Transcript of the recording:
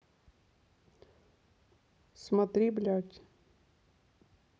смотри блять